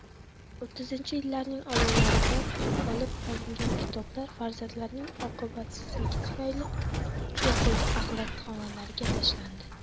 o'ttizinchi yillarning olovlaridan olib qolingan kitoblar farzandlarning oqibatsizligi tufayli yoqildi axlatxonalarga tashlandi